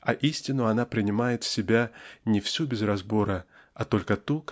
и истину она принимает в себя не всю без разбора а только ту